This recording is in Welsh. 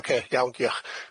Ocê iawn dioch.